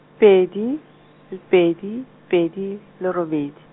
pedi , pedi, pedi, le robedi.